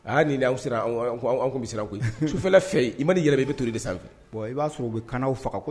A y'a sera siran koyi sufɛ fɛ i ma yɛrɛ bɛ i bɛ to de sanfɛ i b'a sɔrɔ o bɛ kanaw faga